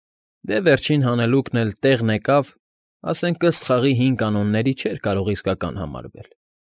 Դե, վերջին հանելուկն էլ, տեղն եկավ, ասենք, ըստ խաղի հին կանոնների, չէր կարող իսկական համարվել։